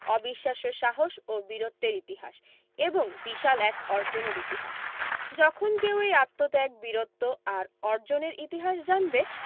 অবিশ্বাস্য সাহস ও বীরত্বের ইতিহাস এবং বিশাল এক অর্জনের ইতিহাস যখন কেউ এই আত্মত্যাগ বীরত্ব আর অর্জনের ইতিহাস জানবে